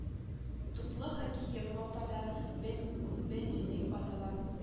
Туплы хоккей европада бен бенди дип атала